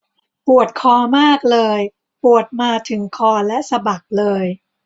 ปวดคอมากเลยปวดมาถึงคอและสะบักเลย